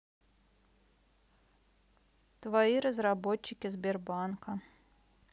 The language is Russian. твои разработчики сбербанка